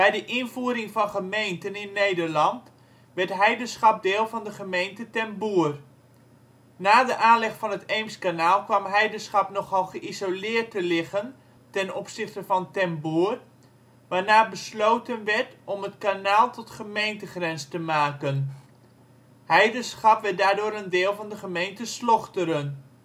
de invoering van gemeenten in Nederland werd Heidenschap deel van de gemeente Ten Boer. Na de aanleg van het Eemskanaal kwam Heidenschap nogal geïsoleerd te liggen ten opzichte van Ten Boer, waarna besloten werd om het kanaal tot gemeentegrens te maken. Heidenschap werd daardoor een deel van de gemeente Slochteren